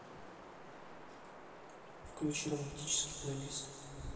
включи романтический плейлист